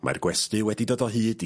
Mae'r gwesty wedi dod o hyd i...